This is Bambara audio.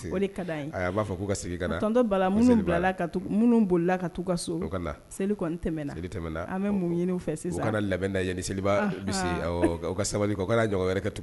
B'a fɔ minnu boli seli seli an bɛ mun ɲini fɛ sisan labɛndaani seli sabali ka ja wɛrɛɛrɛ kɛ